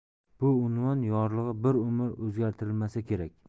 bu unvon yorlig'i bir umr o'zgartirilmasa kerak